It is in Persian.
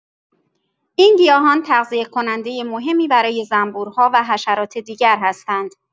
این گیاهان تغذیه‌کننده مهمی برای زنبورها و حشرات دیگر هستند.